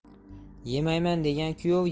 yemayman degan kuyov